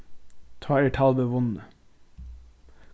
tá er talvið vunnið